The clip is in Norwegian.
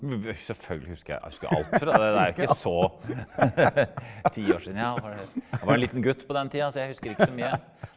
v selvfølgelig husker jeg jeg husker alt fra det der det er jo ikke så ti år siden ja jeg jeg var en liten gutt på den tida så jeg husker ikke så mye.